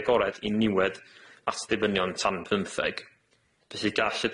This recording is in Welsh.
agored i niwed at ddibynion tan pymtheg, felly gall y